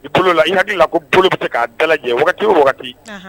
I bolola i hakili ko bolo bɛ k'a dalajɛ wagati